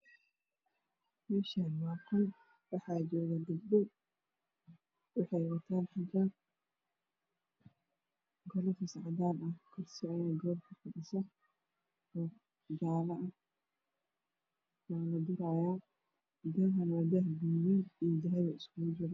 Meshani waa qol waxa joga gabdho waxay watan xijab kalarkisa cadan ah kursi aya gabr ku fadhisa jaalo ah waa la duraya dahana waa daah gadud iyo dahabi iskugu jira